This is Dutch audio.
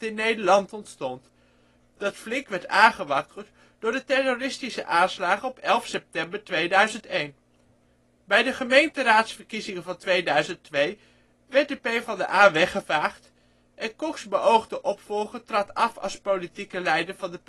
Nederland ontstond (dat flink werd aangewakkerd door de terroristische aanslagen op 11 september 2001). Bij de gemeenteraadsverkiezingen van 2002 werd de PvdA weggevaagd en Koks beoogde opvolger trad af als politieke leider van de